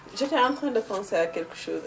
j' étais entrain de penser à quelque chose